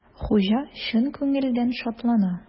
Хуҗа чын күңелдән шатлана.